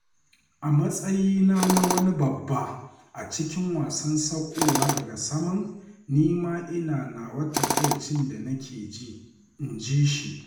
“A matsayina na wani babba a cikin wasan saukowa daga saman, ni ma ina nawa taƙaicin da nake ji,” inji shi.